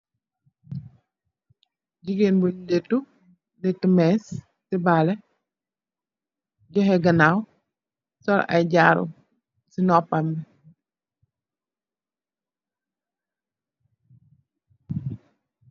Jegain bun latu , latu mess tebaleh juhe ganaw sul aye jaaru se nopam be.